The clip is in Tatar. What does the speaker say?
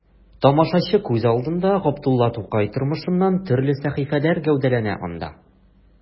Тамашачы күз алдында Габдулла Тукай тормышыннан төрле сәхифәләр гәүдәләнә анда.